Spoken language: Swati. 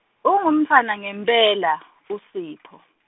Ungumntfwana ngempela, uSipho.